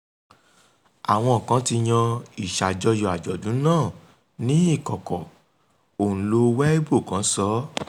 Àwọn kan ti yan ìṣàjọyọ̀ àjọ̀dún náà ní ìkọ̀kọ̀. Òǹlo Weibo kan sọ: